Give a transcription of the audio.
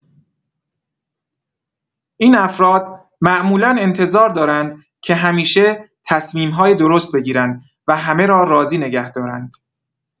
این افراد معمولا انتظار دارند که همیشه تصمیم‌های درست بگیرند و همه را راضی نگه دارند.